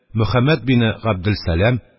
Мөхәммәд бине Габделсәлам,